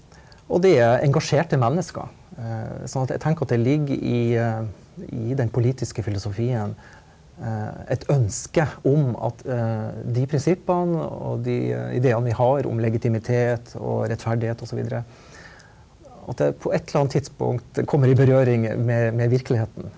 og det er engasjerte mennesker sånn at jeg tenker at det ligger i i den politiske filosofien et ønske om at de prinsippene og de ideene vi har om legitimitet og rettferdighet og så videre, og at det på et eller annet tidspunkt kommer i berøring med med virkeligheten.